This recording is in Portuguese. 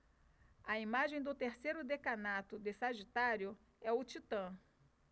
a imagem do terceiro decanato de sagitário é o titã